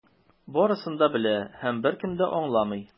Барысы да белә - һәм беркем дә аңламый.